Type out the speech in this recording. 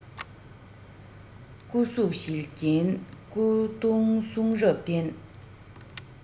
སྐུ གཟུགས ཞལ སྐྱིན སྐུ གདུང གསུང རབ རྟེན